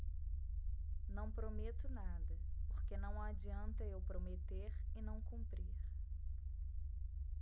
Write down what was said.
não prometo nada porque não adianta eu prometer e não cumprir